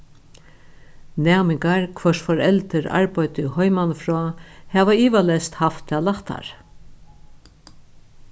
næmingar hvørs foreldur arbeiddu heimanífrá hava ivaleyst havt tað lættari